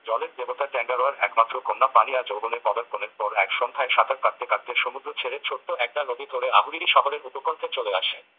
জলের দেবতা টেঙ্গারোয়ার একমাত্র কন্যা পানিয়া যৌবনে পদার্পণের পর এক সন্ধ্যায় সাঁতার কাটতে কাটতে সমুদ্র ছেড়ে ছোট্ট একটা নদী ধরে আহুরিরি শহরের উপকণ্ঠে চলে আসে